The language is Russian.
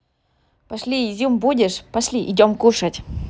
пошли изюм будешь пошли идем кушать